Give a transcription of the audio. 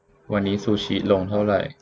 วันนี้ซูชิลงเท่าไหร่